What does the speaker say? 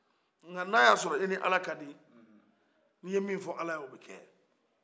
nka ni a y'a sɔrɔ i ni ala di ni i ye fɔ ala ye o bɛ kɛ